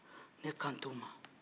ne kan tɛ o ma